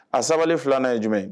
A sabali fila ye jumɛn